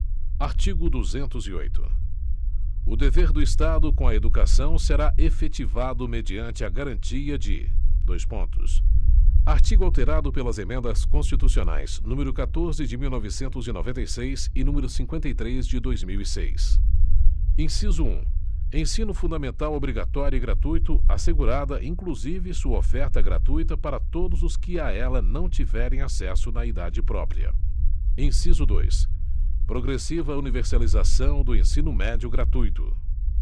artigo duzentos e oito o dever do estado com a educação será efetivado mediante a garantia de dois pontos artigo alterado pelas emendas constitucionais número catorze de mil novecentos e noventa e seis e numero cinquenta e três de dois mil e seis inciso um ensino fundamental obrigatório e gratuito assegurada inclusive sua oferta gratuita para todos os que a ela não tiverem acesso na idade própria inciso dois progressiva universalização do ensino médio gratuito